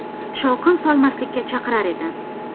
shovqin solmaslikka chaqirar edi